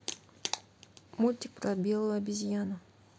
мультик про белую обезьяну